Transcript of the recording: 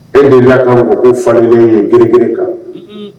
E de b'a kan mɔgɔ ko falenlen ye g g kan